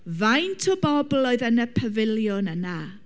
Faint o bobl oedd yn y pafiliwn yna?